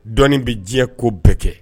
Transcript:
Dɔɔnin bɛ diɲɛ ko bɛɛ kɛ